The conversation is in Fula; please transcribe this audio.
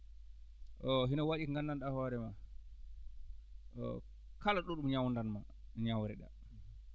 o hina waɗi ko nganndanɗaa hoore ma kala ɗo ɗum ñawndatnoo ñawre ɗaa